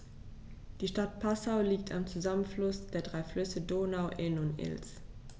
Die Stadt Passau liegt am Zusammenfluss der drei Flüsse Donau, Inn und Ilz.